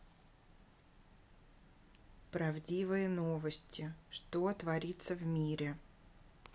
правдивые новости что творится в мире